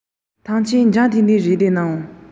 མིག ཆེ རུ བགྲད དེ དཔེ ཆར ལྟ བཞིན འདུག